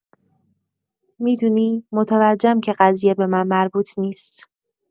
می‌دونی، متوجهم که قضیه به من مربوط نیست.